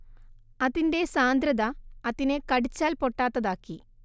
അതിന്റെ സാന്ദ്രത അതിനെ കടിച്ചാൽ പൊട്ടാത്തതാക്കി